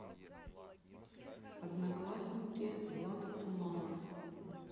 одноклассники влад туманов